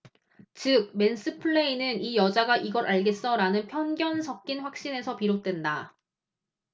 즉 맨스플레인은 이 여자가 이걸 알겠어 라는 편견 섞인 확신에서 비롯된다